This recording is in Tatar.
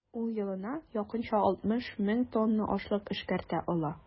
Ул елына якынча 60 мең тонна ашлык эшкәртә ала.